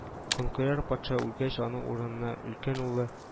Канкояр патша үлгәч, аның урынына өлкән улы